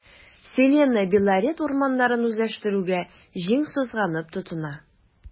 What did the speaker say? “селена” белорет урманнарын үзләштерүгә җиң сызганып тотына.